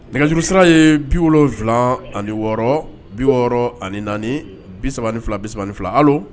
Nɛgɛsiuru sira ye bi wolonwula ani wɔɔrɔ bi wɔɔrɔ ani naani bi3 biban ni fila hali